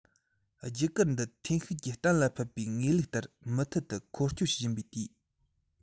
རྒྱུ སྐར འདི འཐེན ཤུགས ཀྱི གཏན ལ ཕབ པའི ངེས ལུགས ལྟར མུ མཐུད དུ འཁོར སྐྱོད བྱེད བཞིན པའི དུས